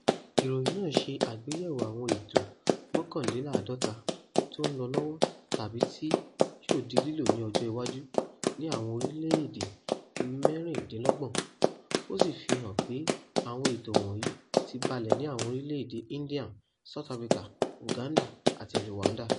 Ìròyìn náà ṣe àgbéyẹ̀wò àwọn ètò mọ́kànléláàdọ́ta tó ń lọ lọ́wọ́ tàbí tí yóò di lílò ní ọjọ́ iwájú ní àwọn orílẹ̀ èdè mẹ́rìndínlọ́gbọ̀n, ó sì fi hàn pé àwọn ètò wọ̀nyí ti balẹ̀ ní àwọn orílẹ̀ èdè India, South Africa, Uganda àti Rwanda.